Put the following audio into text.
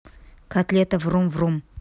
котлета врум врум